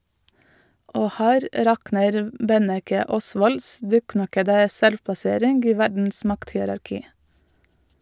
Og her rakner Benneche Osvolds dukknakkede selvplassering i verdens makthierarki.